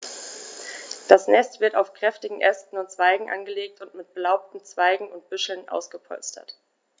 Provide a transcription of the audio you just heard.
Das Nest wird aus kräftigen Ästen und Zweigen angelegt und mit belaubten Zweigen und Büscheln ausgepolstert.